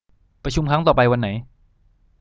ประชุมครั้งต่อไปวันไหน